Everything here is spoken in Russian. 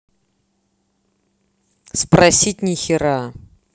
спросить нихера